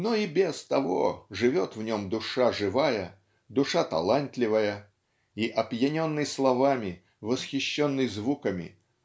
но и без того живет в нем душа живая душа талантливая и опьяненный словами восхищенный звуками